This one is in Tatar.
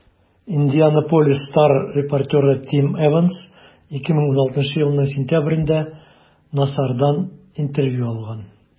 «индианаполис стар» репортеры тим эванс 2016 елның сентябрендә нассардан интервью алган.